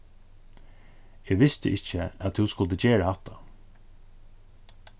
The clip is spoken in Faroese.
eg visti ikki at tú skuldi gera hatta